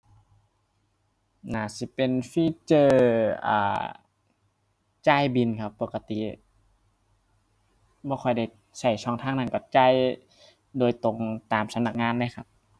น่าสิเป็นฟีเจอร์ อ่า จ่ายบิลครับ ปกติ บ่ค่อยได้ใช้ช่องทางนั้นก็จ่ายโดยตรงตามสำนักงานเลยครับ